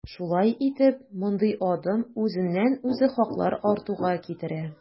Шулай итеп, мондый адым үзеннән-үзе хаклар артуга китерә.